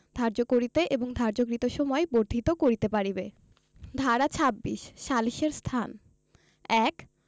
ধার্য করিতে এবং ধার্যকৃত সময় বর্ধিত করিতে পারিবে ধারা ২৬ সালিসের স্থান